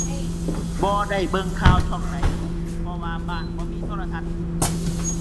บ่ได้เบิ่งข่าวช่องใด เพราะว่าบ้านบ่มีโทรทัศน์